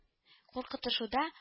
Куркытышуда